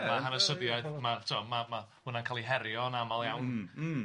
...ma' hanesyddiaeth ma' tibod ma' ma' hwnna'n cael ei herio yn aml iawn... Mm mm.